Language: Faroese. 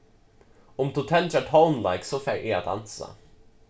um tú tendrar tónleik so fari eg at dansa